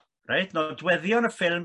reit nodweddion y ffilm